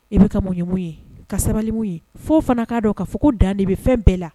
I bɛ ka muɲu mun ye, ka sabali mun ye, f'o fana k'a dɔn k'a fɔ ko dan de bɛ fɛn bɛɛ la.